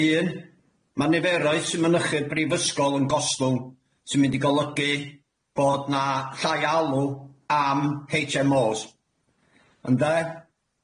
un ma' niferoedd sy'n mynychu'r brifysgol yn gostwng sy'n mynd i golygu bod na llai o alw am heitch em oes ynde,